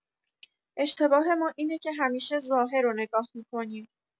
اشتباه ما اینه که همیشه ظاهرو نگاه می‌کنیم.